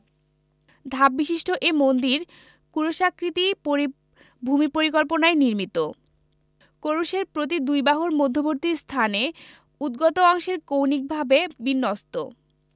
ধাপবিশিষ্ট এ মন্দির ক্রুশাকৃতি পরি ভূমিপরিকল্পনায় নির্মিত ক্রুশের প্রতি দুই বাহুর মধ্যবর্তী স্থানে উদ্গত অংশ কৌণিকভাবে বিন্যস্ত